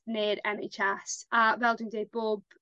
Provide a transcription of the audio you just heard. ne'r En Haitch Es. A dwi'n dweud bob